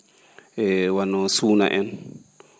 e wano suuna en